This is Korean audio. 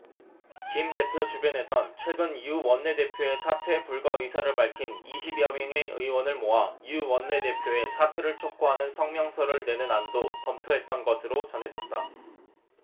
김 대표 주변에선 최근 유 원내대표의 사퇴 불가 의사를 밝힌 이십 여 명의 의원을 모아 유 원내대표의 사퇴를 촉구하는 성명서를 내는 안도 검토했던 것으로 전해졌다